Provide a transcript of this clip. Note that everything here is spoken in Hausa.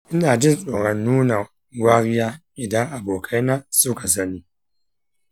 ina jin tsoron nuna wariya idan abokaina suka sani.